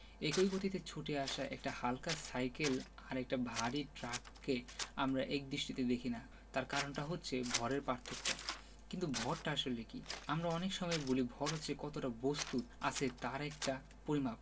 একই গতিতে ছুটে আসা একটা হালকা সাইকেল আর একটা ভারী ট্রাককে আমরা একদৃষ্টিতে দেখি না তার কারণটা হচ্ছে ভরের পার্থক্য কিন্তু ভরটা আসলে কী আমরা অনেক সময়েই বলি ভর হচ্ছে কতটা বস্তু আছে তার একটা পরিমাপ